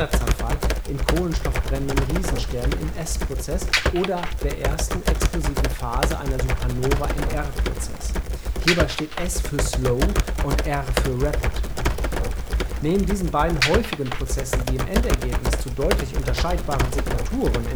β-Zerfall in kohlenstoffbrennenden Riesensternen im s-Prozess oder in der ersten, explosiven Phase einer Supernova im r-Prozess. Hierbei steht s für slow und r für rapid. Neben diesen beiden häufigsten Prozessen, die im Endergebnis zu deutlich unterscheidbaren Signaturen